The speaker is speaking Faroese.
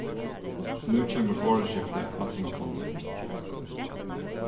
nú kemur orðaskifti á tingfundi